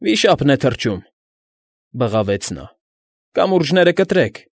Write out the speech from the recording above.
Վիշա՜պն է թռչում։ Գետինը մտնեմ…֊ բղավեց նա։֊ Կամուրջները կտրեք։